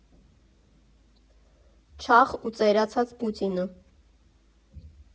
Չաղ ու ծերացած Պուտինը։